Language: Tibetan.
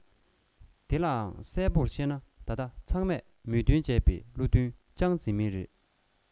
དེའང གསལ པོ བཤད ན ད ལྟ ཚང མས མོས མཐུན བྱས པའི བློ ཐུན ཅང ཙེ མིང རེད